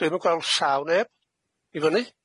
Dwi'm yn gweld llaw neb i fyny.